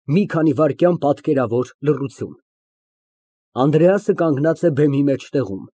Մի քանի վայրկյան պատկերավոր լռություն ԱՆԴՐԵԱՍ ֊ (Կանգնած է բեմի մեջտեղում)։